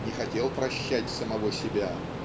не хотел прощать самого себя